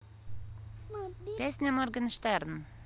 песня моргенштерн